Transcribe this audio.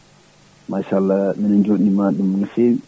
machallah minen joɗinima ɗum no fewi